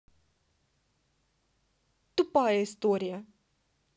тупая история